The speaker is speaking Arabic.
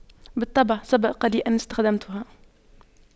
بالطبع سبق لي أن استخدمتها